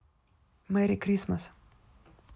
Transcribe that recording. мэри кристмас